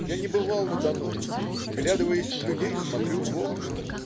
Я не бывал на Дону: вглядываясь в людей, смотрю в окна.